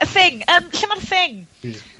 y thing yym lle ma'r thing? Ie.